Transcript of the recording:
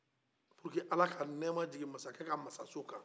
walasa ala ka nɛma jigi masakɛ ka masaso kan